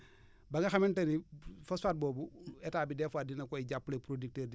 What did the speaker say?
ba nga xamante ni phosphate boobu état bi des fois dina koy jàppale producteurs yi di leen ko jox